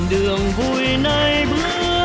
đường vui nay